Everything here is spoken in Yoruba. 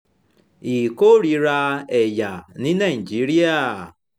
Ìkórìíra Ẹ̀yà ní Nàìjíríà